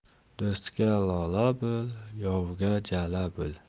do'stga lola bo'l yovga jala bo'l